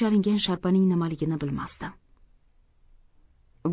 chalingan sharpaning nimaligini bilmasdim